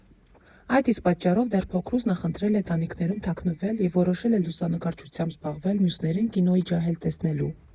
Այդ իսկ պատճառով դեռ փոքրուց նախընտրել է տանիքներում թաքնվել և որոշել է լուսանկարչությամբ զբաղվել՝ մյուսներին «կինոյի ջահել» տեսնելու։